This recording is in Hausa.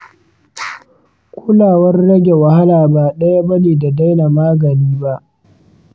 kulawar rage wahala ba ɗaya bane da daina magani ba.